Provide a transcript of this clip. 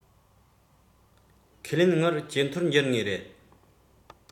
ཁས ལེན དངུལ ཇེ མཐོར འགྱུར ངེས རེད